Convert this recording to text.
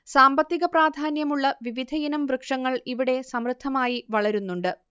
സാമ്പത്തിക പ്രാധാന്യമുള്ള വിവിധയിനം വൃക്ഷങ്ങൾ ഇവിടെ സമൃദ്ധമായി വളരുന്നുണ്ട്